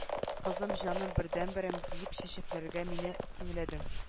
Кызым җаным бердәнберем диеп чәчкәләргә мине тиңләдең